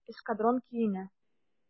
"эскадрон" көенә.